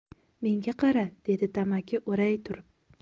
menga qara dedi tamaki o'ray turib